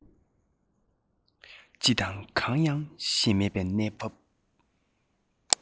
ཅི དང གང ཡང ཤེས མེད པའི གནས བབ